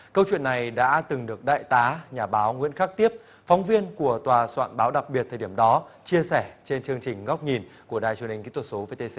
câu chuyện này đã từng được đại tá nhà báo nguyễn khắc tiếp phóng viên của tòa soạn báo đặc biệt thời điểm đó chia sẻ trên chương trình góc nhìn của đài truyền hình kỹ thuật số vê tê xê